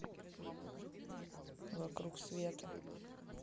вокруг света